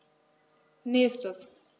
Nächstes.